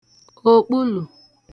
òkpulù